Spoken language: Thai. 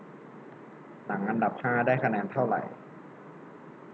หนังอันดับห้าได้คะแนนเท่าไหร่